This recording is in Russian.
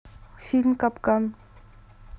фильм капкан